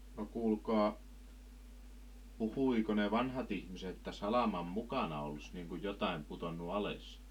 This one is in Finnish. no kuulkaa puhuiko ne vanhat ihmiset että salaman mukana olisi niin kuin jotakin pudonnut alas